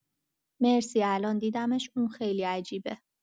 مرسی الان دیدمش اون خیلی عجیبه